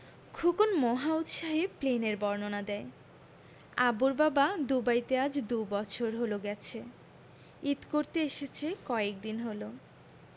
খোকন মহা উৎসাহে প্লেনের বর্ণনা দেয় আবুর বাবা দুবাইতে আজ দুবছর হলো গেছে ঈদ করতে এসেছে কয়েকদিন হলো